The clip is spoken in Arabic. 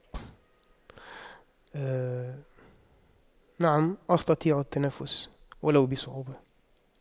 نعم استطيع التنفس ولو بصعوبة